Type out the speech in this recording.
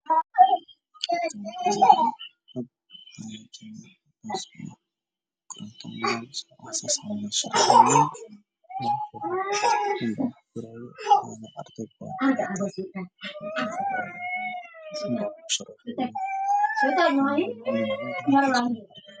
Waa niman meel fadhiyo midka usoo horey wuxuu wataa kofiyad